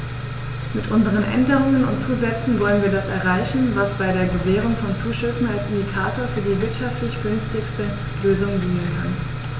Mit unseren Änderungen und Zusätzen wollen wir das erreichen, was bei der Gewährung von Zuschüssen als Indikator für die wirtschaftlich günstigste Lösung dienen kann.